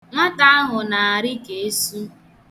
Nwata ahụ na-arị ka esu.